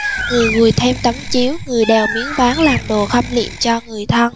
người gùi thêm tấm chiếu người đèo miếng ván làm đồ khâm liệm cho người thân